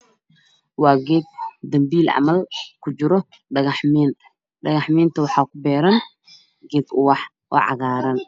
Waa geed dambiil camal kujiro dhagaxmiin dhagaxmiinta waxaa kubeeran geed ubax oo cagaaran